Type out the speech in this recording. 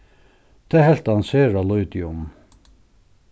tað helt hann sera lítið um